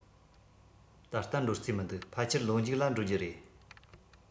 ད ལྟ འགྲོ རྩིས མི འདུག ཕལ ཆེར ལོ མཇུག ལ འགྲོ རྒྱུ རེད